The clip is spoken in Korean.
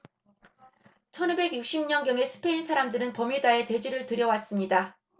천 오백 육십 년경에 스페인 사람들은 버뮤다에 돼지를 들여왔습니다